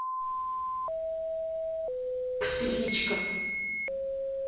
психичка